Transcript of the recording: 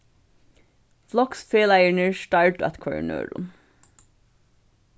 floksfelagarnir stardu at hvørjum øðrum